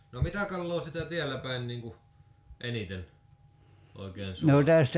no mitä kalaa sitä täällä päin niin kuin eniten oikein saadaan